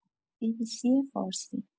بی‌بی‌سی فارسی